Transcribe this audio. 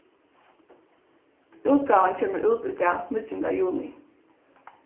útgávan kemur út í dag níggjunda juni